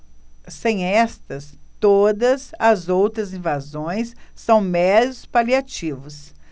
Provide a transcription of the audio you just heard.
sem estas todas as outras invasões são meros paliativos